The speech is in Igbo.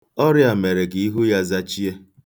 Ọrịa a mere ka ihu ya zachie.